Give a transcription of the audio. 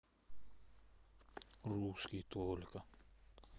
русский только